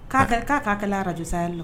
Ka ka kilen Arajo Sahɛli la